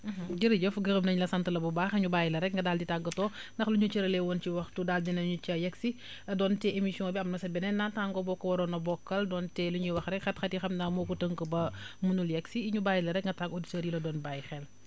jërëjëf gërëm nañ la sant la bu baax ñu bàyyi la rekk nga daal di tàggatoo ndax luñ ñu cëralee woon ci waxtu daal dinañu ca yegsi donte émission bi am na seen beneen naataango boo ko waroon a bokkal donte li ñuy wax rekk xat-xat yi xam naa moo ko tënk ba mënul yegsi ñu bàyyi la rekk nga tàggu auditeurs yi la doon bàyyi xel